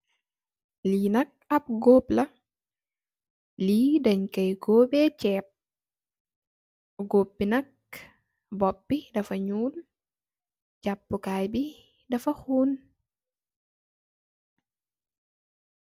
Li nak ap gop la, li dajj Koy goobey ceb. Gop bi nak bopú bi dafa ñuul japukay bi nafa xuun.